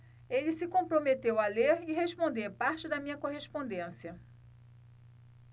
ele se comprometeu a ler e responder parte da minha correspondência